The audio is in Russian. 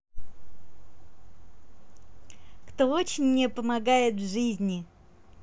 кто очень мне помогает в жизни